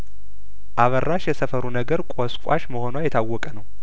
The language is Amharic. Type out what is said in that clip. አበራሽ የሰፈሩ ነገር ቆስቋሽ መሆኗ የታወቀ ነው